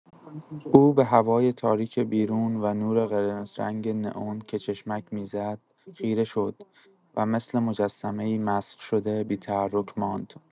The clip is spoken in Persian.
او به هوای تاریک بیرون و نور قرمزرنگ نئون که چشمک می‌زد، خیره شد و مثل مجسمه‌ای مسخ‌شده، بی‌تحرک ماند.